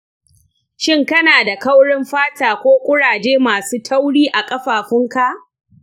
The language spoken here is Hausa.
shin kana da kaurin fata ko kuraje masu tauri a ƙafafunka?